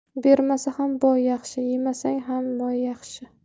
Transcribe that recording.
bermasa ham boy yaxshi yemasang ham moy yaxshi